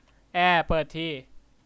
แอร์เปิดที